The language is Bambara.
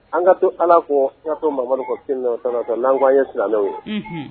An ka to Ala kɔ, ka to Mamadu kɔ kisi nɛma b'a ye, soli ala wa salimu n'an ko an ye silamɛnw ye; Unhun.